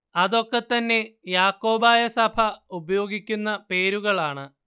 അത് ഒക്കെ തന്നെ യാക്കോബായ സഭ ഉപയോഗിക്കുന്ന പേരുകൾ ആണ്